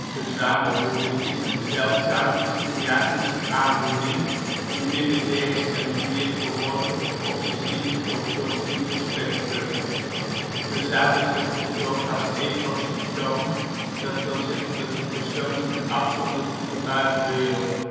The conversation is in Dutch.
verzamelwoede is een zeldzame psychiatrische aandoening die binnen DSM-IV behoort tot het obsessieve-compulsieve spectrum. Verzamelzucht is doorgaans egosyntoon, dat wil zeggen dat de persoon zich afzondert van de buitenwereld